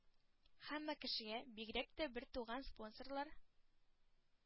Һәммә кешегә, бигрәк тә бертуган спонсорлар